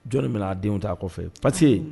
Jɔn min'a denw ta aa fɛ pase